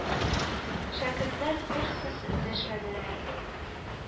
Шәкертләр бер сүз эндәшмәделәр.